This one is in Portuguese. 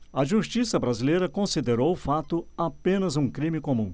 a justiça brasileira considerou o fato apenas um crime comum